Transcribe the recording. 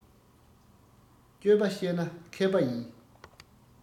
སྤྱོད པ ཤེས ན མཁས པ ཡིན